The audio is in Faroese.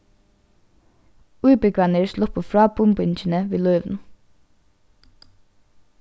íbúgvarnir sluppu frá bumbingini við lívinum